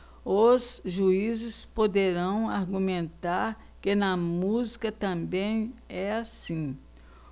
os juízes poderão argumentar que na música também é assim